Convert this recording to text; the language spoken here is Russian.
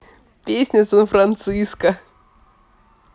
песня san francisco